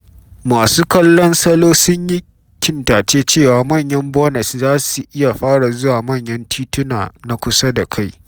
Masu kallon salo sun yi kintace cewa manyan bonnets za su iya fara zuwa manyan titunan na kusa da kai.